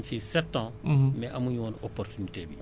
ci biir jege boobu nag yéen ci laa leen di remercier